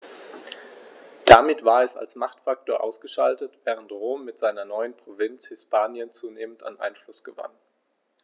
Damit war es als Machtfaktor ausgeschaltet, während Rom mit seiner neuen Provinz Hispanien zunehmend an Einfluss gewann.